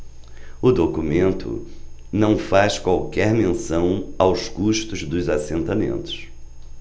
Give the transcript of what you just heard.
o documento não faz qualquer menção aos custos dos assentamentos